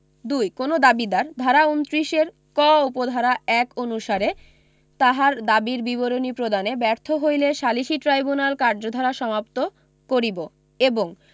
২ কোন দাবীদার ধারা ২৯ এর ক উপ ধারা ১ অনুসারে তাহার দাবীর বিবরণী প্রদানে ব্যর্থ হইলে সালিসী ট্রাইবুল্যাণ কার্যধারা সমাপ্ত করিব এবং